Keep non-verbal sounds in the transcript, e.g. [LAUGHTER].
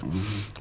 [HESITATION] [HESITATION]